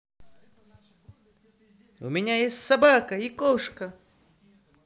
у меня есть собака и кошка